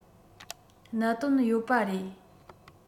གནད དོན ཡོད པ རེད